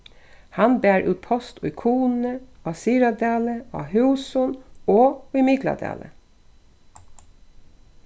hann bar út post í kunoy á syðradali á húsum og í mikladali